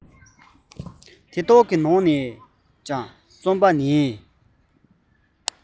དེ དག གི ནང ནས ཀྱང རྩོམ པ ནི